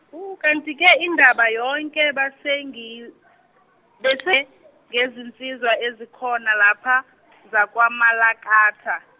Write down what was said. kanti ke indaba yonke besengi, bese- ngezinsizwa ezikhona lapha, zakwaMalakatha.